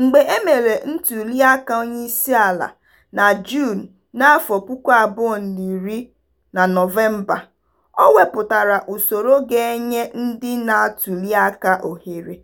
Mgbe e mere ntuliaka onyeisiala, na Juun na Nọvemba 2010, o wepụtara usoro ga-enye ndị na-atuliaka ohere